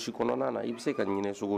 Si kɔnɔna na i bɛ se ka ɲinin sogo